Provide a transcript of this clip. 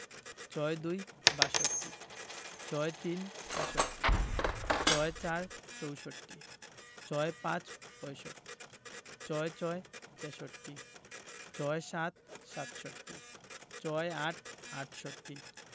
৬২ – বাষট্টি ৬৩ – তেষট্টি ৬৪ – চৌষট্টি ৬৫ – পয়ষট্টি ৬৬ – ছেষট্টি ৬৭ – সাতষট্টি ৬৮ – আটষট্টি